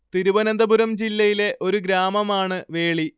തിരുവനന്തപുരം ജില്ലയിലെ ഒരു ഗ്രാമമാണ് വേളി